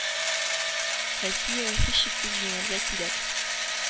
Россиягә һичшиксез җиңәргә кирәк.